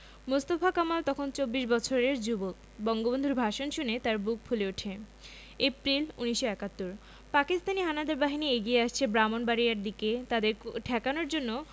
মোস্তফা কামাল তখন চব্বিশ বছরের যুবক বঙ্গবন্ধুর ভাষণ শুনে তাঁর বুক ফুলে ওঠে এপ্রিল ১৯৭১ পাকিস্তানি হানাদার বাহিনী এগিয়ে আসছে ব্রাহ্মনবাড়িয়ার দিকে তাদের ঠেকানোর জন্য